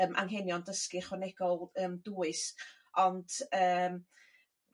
yym anghenion dysgu ychwanegol yym dwys, ond erm